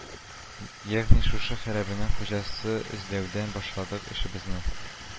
Ягъни, шушы хәрабәнең хуҗасы эзләүдән башладык эшебезне